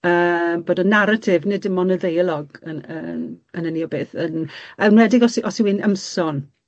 Yy bod y naratif nid dim on' y ddeialog yn yn yn ynny o beth yn a enwedig os y- os yw 'i'n ymson.